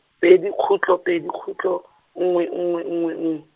pedi khutlo pedi khutlo, nngwe nngwe nngwe nngwe.